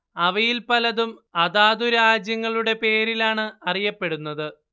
അവയിൽ പലതും അതാതു രാജ്യങ്ങളുടെ പേരിലാണ് അറിയപ്പെടുന്നത്